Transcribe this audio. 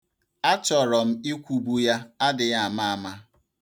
A chọrọ m ikwubu ya adịghị ama ama.